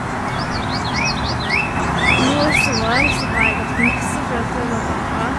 Nå i sommer så har jeg gått masse fjelltur med pappa.